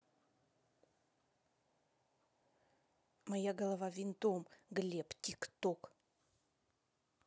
моя голова винтом глеб тик ток